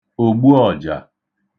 ògbuọ̀jà